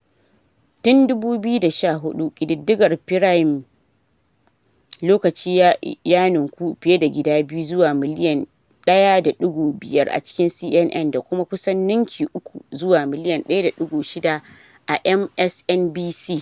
Tun 2014, kididdigar firayim lokaci ya nunku fiye da gida biyu zuwa miliyan 1.05 a CNN da kuma kusan nunki uku zuwa miliyan 1.6 a MSNBC.